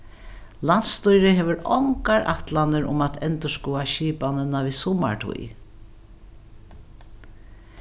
landsstýrið hevur ongar ætlanir um at endurskoða skipanina við summartíð